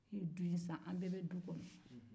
e ye du in san an bɛɛ bɛ du kɔnɔ